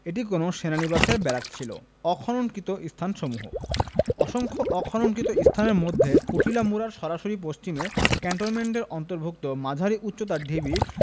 এটি কোন সেনা নিবাসের ব্যারাক ছিল অখননকৃত স্থানসমূহ অসংখ্য অখননকৃত স্থানের মধ্যে কুটিলা মুড়ার সরাসরি পশ্চিমে ক্যান্টনমেন্টের অন্তর্ভুক্ত মাঝারি উচ্চতার ঢিবি